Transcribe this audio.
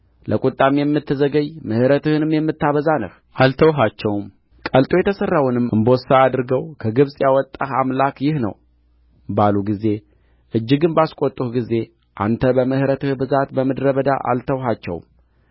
ለቍጣም የምትዘገይ ምሕረትንም የምታበዛ ነህ አልተውሃቸውም ቀልጦ የተሠራውንም እምቦሳ አድርገው ከግብጽ ያወጣህ አምላክህ ይህ ነው ባሉ ጊዜ እጅግም ባስቈጡህ ጊዜ አንተ በምሕረትህ ብዛት በምድረ በዳ አልተውሃቸውም